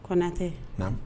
Kotɛ